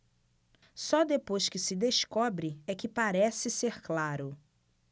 só depois que se descobre é que parece ser claro